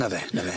'Na fe 'na fe.